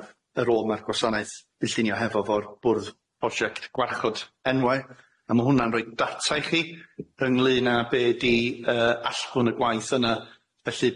y y rôl ma'r gwasanaeth cyllunio hefo fo'r bwrdd project gwarchod enwau a ma' hwnna'n roid data i chi ynglŷn â be' di yy allbwn y gwaith yna felly